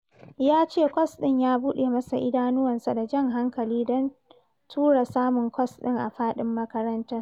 Ya ce kwas ɗin ya buɗe masa idanuwansa da jan hankali don tura samun kwas ɗin a faɗin makarantar.